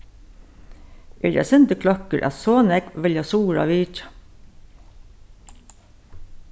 eri eitt sindur kløkkur at so nógv vilja suður at vitja